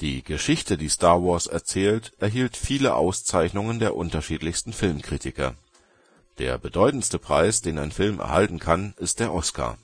Die Geschichte, die Star Wars erzählt, erhielt viele Auszeichnungen der unterschiedlichsten Filmkritiker. Der bedeutendste Preis den ein Film erhalten kann, ist der Oscar.